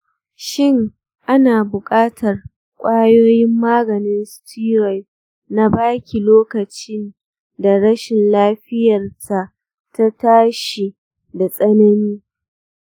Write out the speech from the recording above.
shin ana buƙatar kwayoyin maganin steroid na baki lokacin da rashin lafiyar ta tashi da tsanani?